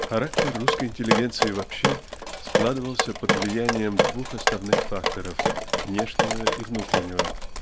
Характер русской интеллигенции вообще складывался под влиянием двух основных факторов внешнего и внутреннего.